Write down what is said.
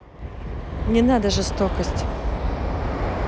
не надо жестокость